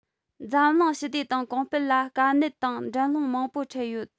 འཛམ གླིང ཞི བདེ དང གོང སྤེལ ལ དཀའ གནད དང འགྲན སློང མང པོ འཕྲད ཡོད